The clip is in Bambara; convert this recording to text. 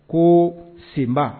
Ko senba.